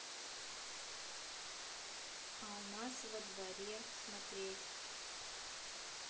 а у нас во дворе смотреть